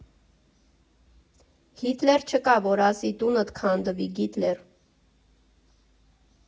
Հիտլեր չկա, որ ասի «տունդ քանդվի Հիտլեր»։